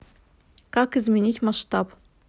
как изменить масштаб